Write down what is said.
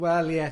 Wel, ie.